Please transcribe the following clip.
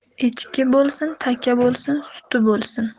echki bo'lsin taka bo'lsin suti bo'lsin